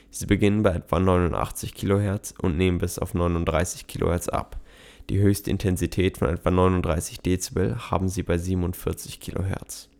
Sie beginnen bei etwa 89 kHz und nehmen bis auf 39 kHz ab, die höchste Intensität von etwa 39 Dezibel haben sie bei 47 kHz